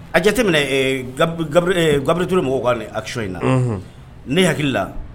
A jate minɛ ɛɛ Gab Gabriel mɔgɔw ka action in na. Unhun! Ne hakilila